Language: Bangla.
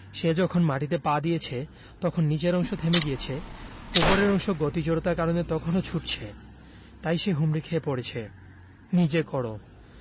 সে যখন মাটিতে পা দিয়েছে তখন নিচের অংশ থেমে গিয়েছে ওপরের অংশ গতি জড়তার কারণে তখনো ছুটছে তাই সে হুমড়ি খেয়ে পড়ছে নিজে কর